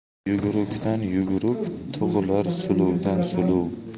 yugurukdan yuguruk tug'ilar suluvdan suluv